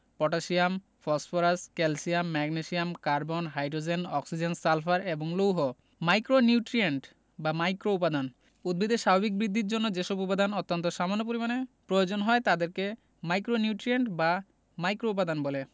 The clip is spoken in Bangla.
potassium phosphorus calcium magnesium carbon hydrogen oxygen sulphur এবং লৌহ ১ মাইক্রোনিউট্রিয়েন্ট বা মাইক্রোউপাদান উদ্ভিদের স্বাভাবিক বৃদ্ধির জন্য যেসব উপাদান অত্যন্ত সামান্য পরিমাণে প্রয়োজন হয় তাদেরকে মাইক্রোনিউট্রিয়েন্ট বা মাইক্রোউপাদান বলে